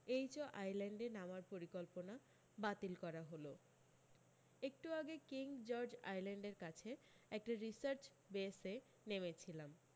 HO আইল্যান্ডে নামার পরিকল্পনা বাতিল করা হল একটু আগে কিং জর্জ আইল্যান্ডের কাছে একটা রিসার্চ বেস এ নেমেছিলাম